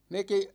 mekin